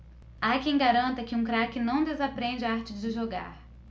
há quem garanta que um craque não desaprende a arte de jogar